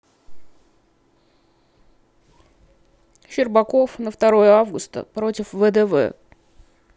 щербаков на второе августа против вдв